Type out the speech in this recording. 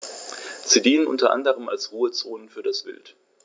Sie dienen unter anderem als Ruhezonen für das Wild.